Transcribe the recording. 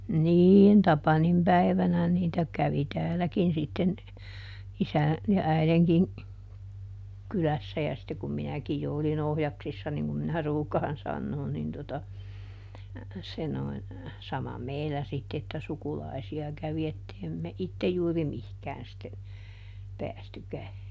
niin Tapanin päivänä niitä kävi täälläkin sitten isän ja äidinkin kylässä ja sitten kun minäkin jo olin ohjaksissa niin kuin minä ruukaan sanoa niin tuota se noin sama meillä sitten että sukulaisia kävi että ei me itse juuri mihinkään sitten päästykään